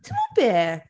Timod be?